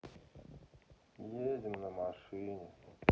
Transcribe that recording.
едем на машине